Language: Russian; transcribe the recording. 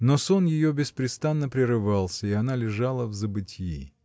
Но сон ее беспрестанно прерывался, и она лежала в забытьи.